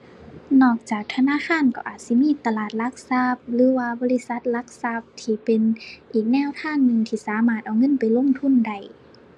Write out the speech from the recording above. นอกจากธนาคารก็อาจสิมีตลาดหลักทรัพย์ หรือว่าบริษัทหลักทรัพย์ที่เป็น อีกแนวทางหนึ่งที่สามารถเอาเงินไปลงทุนได้